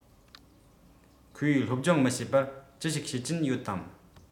ཁོས སློབ སྦྱོང མི བྱེད པར ཅི ཞིག བྱེད ཀྱིན ཡོད དམ